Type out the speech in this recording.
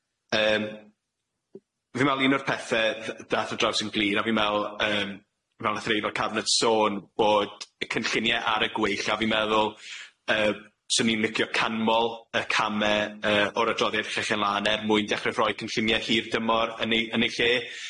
Yym, fi'n me'wl un o'r pethe dd- dath ar draws 'yn gilydd a fi'n me'wl yym fel nath yr aelo cabinet sôn bod y cynllunie ar y gweill, a fi'n meddwl yy swn i'n licio canmol y came yy o'r adroddiad Llechen Lân er mwyn dechre rhoi cynllunie hir dymor yn eu yn eu lle.